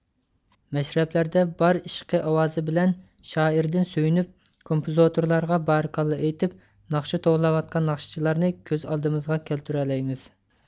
مەشرەپلەردە بار ئىشقى ئاۋازى بىلەن شائىردىن سۆيۈنۈپ كومپوزىتورلارغا بارىكاللا ئېيتىپ ناخشا توۋلاۋاتقان ناخشىچىلارنى كۆز ئالدىمىزغا كەلتۈرەلەيمىز